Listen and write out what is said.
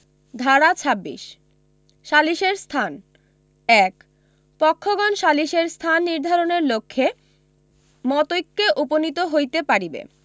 ধারা ২৬ সালিসের স্থান ১ পক্ষগণ সালিসের স্থান নির্ধারণের লক্ষ্যে মতৈক্যে উপনীত হইতে পারিবে